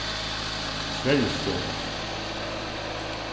sverrisgøta